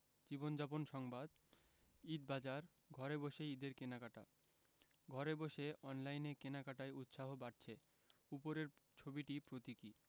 জীবনযাপন সংবাদ ঈদবাজার ঘরে বসেই ঈদের কেনাকাটা ঘরে বসে অনলাইনে কেনাকাটায় উৎসাহ বাড়ছে উপরের ছবিটি প্রতীকী